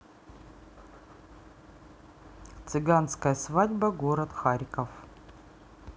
цыганская свадьба город харьков